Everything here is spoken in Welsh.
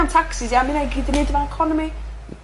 ...am taxes ia ma' 'na i gyd i neud efo economi.